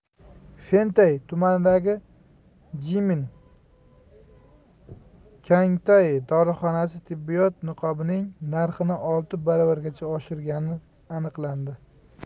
fentay tumanidagi jimin kangtai dorixonasi tibbiyot niqobining narxini olti baravargacha oshirgani aniqlandi